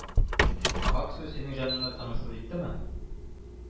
— нахак сүз синең җаныңны тынгысыз иттеме?